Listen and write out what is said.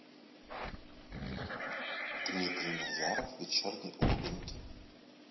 дмитрий назаров вечерний ургант